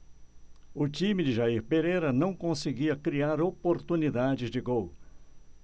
o time de jair pereira não conseguia criar oportunidades de gol